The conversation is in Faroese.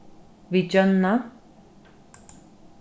við gjónna